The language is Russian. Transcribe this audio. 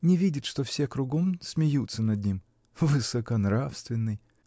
Не видит, что все кругом смеются над ним! “Высоконравственный!”.